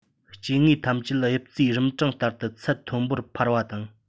སྐྱེ དངོས ཐམས ཅད དབྱིབས རྩིས རིམ གྲངས ལྟར དུ ཚད མཐོན པོར འཕར བ དང